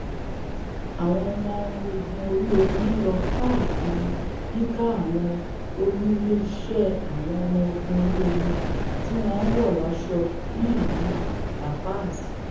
Àwọn ọmọ ogun orí-omi ńlọ káàkiri yíka àwọn olú ilé iṣẹ àwọn ọmọ ogun orí-omi tíwọn wọ̀ lásọ ní ìlú La Paz.